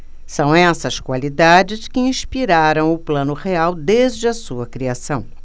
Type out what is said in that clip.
são essas qualidades que inspiraram o plano real desde a sua criação